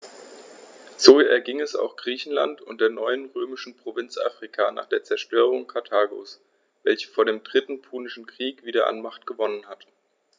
So erging es auch Griechenland und der neuen römischen Provinz Afrika nach der Zerstörung Karthagos, welches vor dem Dritten Punischen Krieg wieder an Macht gewonnen hatte.